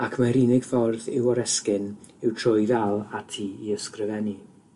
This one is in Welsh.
ac mae'r unig ffordd i'w oresgyn yw trwy dal ati i ysgrifennu.